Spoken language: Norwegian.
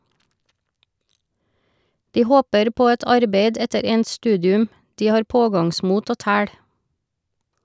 De håper på et arbeid etter endt studium , de har pågangsmot og tæl.